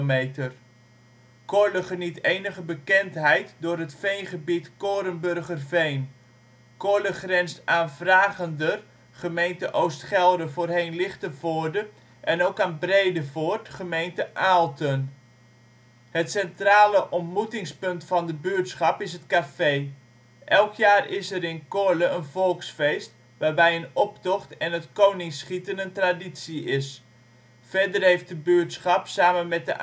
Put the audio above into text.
8 km². Corle geniet enige bekendheid door het veengebied Korenburgerveen. Corle grenst aan Vragender (gemeente Oost-Gelre (voorheen Lichtenvoorde)) en ook aan Bredevoort (Gemeente Aalten). Het centrale ontmoetingspunt van de buurtschap is het café. Elk jaar is er in Corle een volksfeest, waarbij de optocht en het koningsschieten een traditie is. Verder heeft de buurtschap samen met